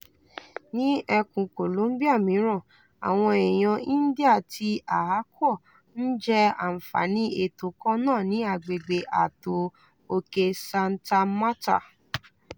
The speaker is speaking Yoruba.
Ní ẹkùn Colombia mìíràn, àwọn èèyàn India ti Arhuaco ń jẹ́ àǹfààní ètò kan náà ní agbègbè ààtò òkè Santa Marta.